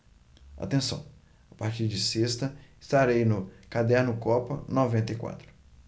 atenção a partir de sexta estarei no caderno copa noventa e quatro